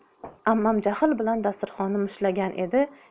ammam jahl bilan dasturxonni mushtlagan edi